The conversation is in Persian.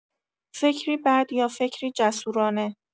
فکری بد یا فکری جسورانه